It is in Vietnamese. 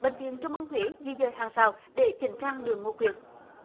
bệnh viện trung ương huế di dời hàng rào để chỉnh trang đường ngô quyền